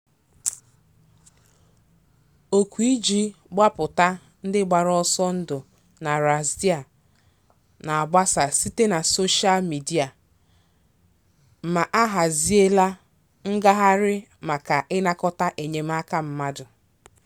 Òkù iji gbapụta ndị gbara ọsọ ndụ na Ras Jdir na-agbasa site na soshal midịa, ma a haziela ngagharị maka ịnakọta enyemaka mmadụ.